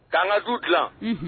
Ka an ka du dilan unhun